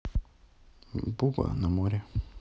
буба на море